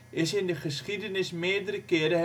is in de geschiedenis meerdere keren